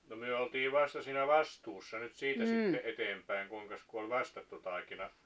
no me oltiin vasta siinä vastuussa nyt siitä sitten eteenpäin kuinkas kun oli vastattu taikina